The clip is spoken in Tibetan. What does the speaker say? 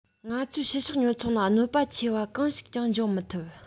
ང ཚོའི ཕྱི ཕྱོགས ཉོ ཚོང ལ གནོད པ ཆེ བ གང ཞིག ཀྱང འབྱུང མི ཐུབ